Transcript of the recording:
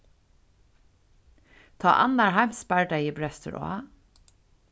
tá annar heimsbardagi brestur á